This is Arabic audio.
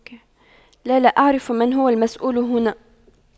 لا لا أعرف من هو المسؤول هنا